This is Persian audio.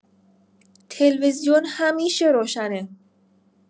تلویزیون همیشه روشنه.